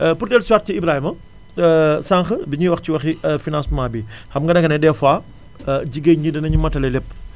pour dellusiwaat ci Ibrahima sànq bi ñuy wax ci waxi financement bi xam nga danga ne dès fois jigéen ñi danañu matale lépp